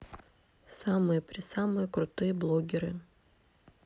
самые присамые крутые блогеры